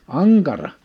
ankara